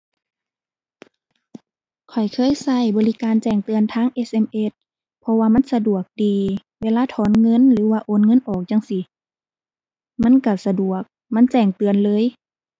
ข้อยเคยใช้บริการแจ้งเตือนทาง SMS เพราะว่ามันสะดวกดี เวลาถอนเงินหรือว่าโอนเงินออกจั่งซี้ มันใช้สะดวก มันแจ้งเตือนเลย